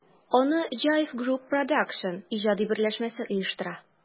Аны JIVE Group Produсtion иҗади берләшмәсе оештыра.